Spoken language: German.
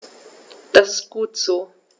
Das ist gut so.